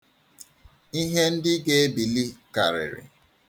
Ihe ndị ga-ebili karịrị.